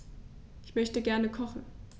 Ich möchte gerne kochen.